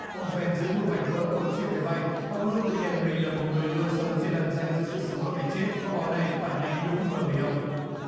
ông phen giữa một mảnh vỡ của chiếc máy bay ông luôn tự nhận mình là một người luôn sống trên lằn ranh giữa sự sống và cái chết kho báu này phản ánh đúng con người ông